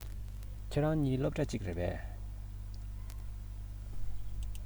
ཁྱེད རང གཉིས སློབ གྲ གཅིག རེད པས